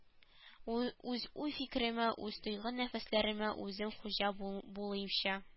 У үз уй-фикеремә үз тойгы-нәфесләремә үзем хуҗа бул булыймчы